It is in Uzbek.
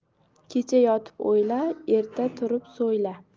kecha yotib o'yla erta turib so'yla